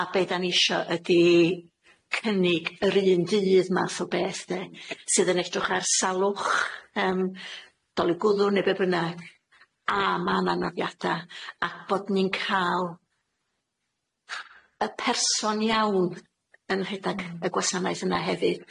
A be da ni isio ydi cynnig yr un ddydd math o beth 'de, sydd yn edrych ar salwch yym dolur gwddw ne' be' bynnag a ma' 'na nodiada a bod ni'n ca'l, y person iawn yn rhedag y gwasanaeth yna hefyd.